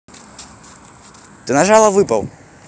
ты нажала выпал